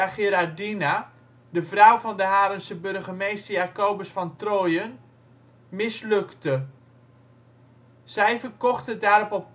Gerardina, de vrouw van de Harense burgemeester Jacobus van Trojen, mislukte. Zij verkocht het daarop